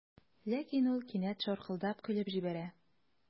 Ләкин ул кинәт шаркылдап көлеп җибәрә.